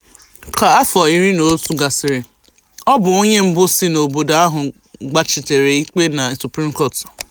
Ka afọ 11 gasịrị, ọ bụ onye mbụ si n'obodo ahụ gbachitere ikpe na Supreme Court.